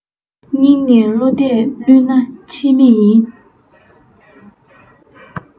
སྙིང ནས བློ གཏད བསླུས ན ཁྲེལ མེད ཡིན